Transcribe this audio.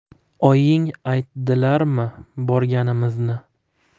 oying aytdilarmi borganimizni